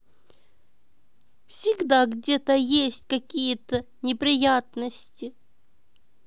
всегда где то есть какие то неприятности